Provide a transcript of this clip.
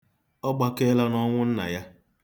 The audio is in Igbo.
Ọ gbakeela n'ọnwụ nna ya.